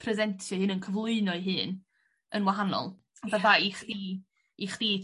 presentio'i hun yn cyflwyno'i hun yn wahanol. Fydda i chi i chdi